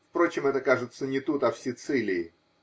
Впрочем, это, кажется, не тут, а в Сицилии.